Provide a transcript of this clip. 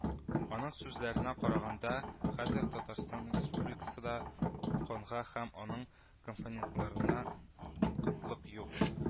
Аның сүзләренә караганда, хәзер Татарстан Республикасыда да канга һәм аның компонентларына кытлык юк